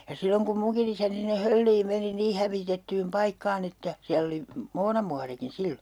ja silloin kun minunkin isäni sinne Hölliin meni niin hävitettyyn paikkaan että siellä oli muonamuorikin silloin